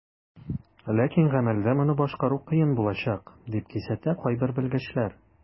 Ләкин гамәлдә моны башкару кыен булачак, дип кисәтә кайбер белгечләр.